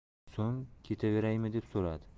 so'ng ketaveraymi deb so'radi